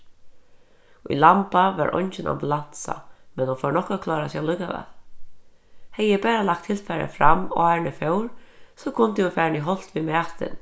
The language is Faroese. í lamba var eingin ambulansa men hon fór nokk at klára seg allíkavæl hevði eg bara lagt tilfarið fram áðrenn eg fór so kundi hon farin í holt við matin